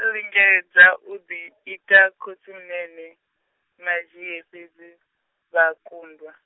lingedza u di- ita khotsimunene, Madzhie fhedzi, vha kundwa.